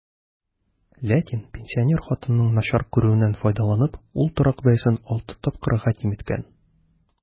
Ләкин, пенсинер хатынның начар күрүеннән файдаланып, ул торак бәясен алты тапкырга киметкән.